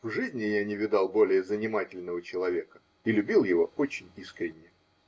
В жизни я не видал более занимательного человека и любил его очень искренне.